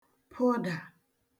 pụdà